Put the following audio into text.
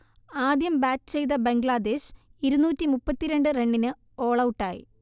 ആദ്യം ബാറ്റ് ചെയ്ത ബംഗ്ലാദേശ് ഇരുന്നൂറ്റി മുപ്പത്തിരണ്ട് റണ്ണിന് ഓൾഔട്ടായി